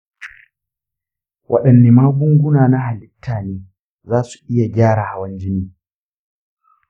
waɗanne magunguna na halitta ne za su iya gyara hawan jini?